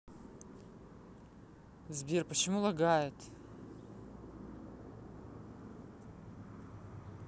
сбер почему лагает